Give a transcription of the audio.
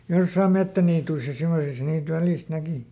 jossakin metsäniityissä ja semmoisissa niitä välistä näki